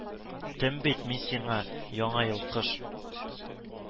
Тем бит мин сиңа яңа ел кыш